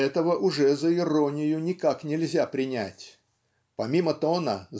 Этого уже за иронию никак нельзя принять. Помимо тона